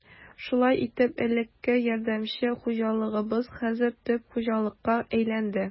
Шулай итеп, элеккеге ярдәмче хуҗалыгыбыз хәзер төп хуҗалыкка әйләнде.